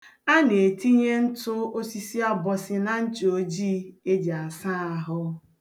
A na-etinye ntụ osisi abọsị na ncha ojii e ji asa ahụ.